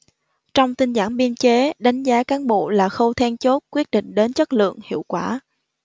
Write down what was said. trong tinh giản biên chế đánh giá cán bộ là khâu then chốt quyết định đến chất lượng hiệu quả